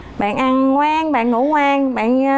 bạn ăn ngoan bạn ngủ ngoan bạn